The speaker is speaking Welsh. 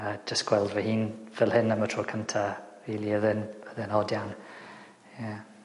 a jyst gweld fy hun fel hyn am y tro cynta rili odd e'n odd e'n od iawn. Ie.